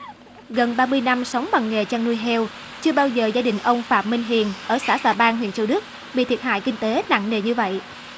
gần ba mươi năm sống bằng nghề chăn nuôi heo chưa bao giờ gia đình ông phạm minh hiền ở xã xà bang huyện châu đức bị thiệt hại kinh tế nặng nề như vậy